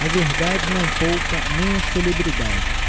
a verdade não poupa nem as celebridades